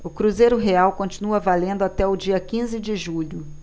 o cruzeiro real continua valendo até o dia quinze de julho